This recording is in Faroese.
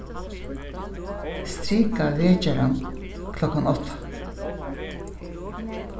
strika vekjaran klokkan átta